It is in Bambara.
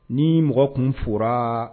Ni mɔgɔ kun fɔra